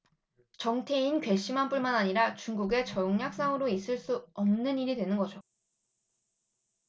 정태인 괘씸할 뿐만 아니라 중국의 전략상으로서는 있을 수 없는 일이 되는 거죠